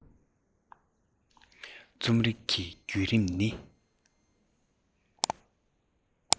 རྩོམ རིག གི རྒྱུད རིམ ནི